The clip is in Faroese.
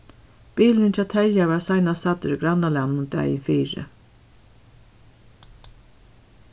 bilurin hjá terja varð seinast sæddur í grannalagnum dagin fyri